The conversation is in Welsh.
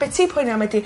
Be' ti'n poeni am ydi